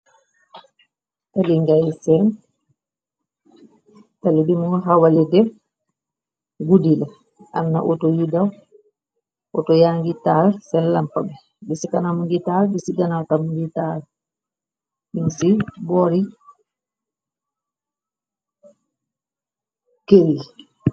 Tali ngay seen tali bimu xawa lendem guddila amna aauto yu daw, auto yagi taal seen lampa bi, bi ci kanam mu ngi taal bi ci ganaw tamit ngi taal nyung ci boori kër yi.